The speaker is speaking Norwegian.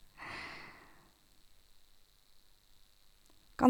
Kan...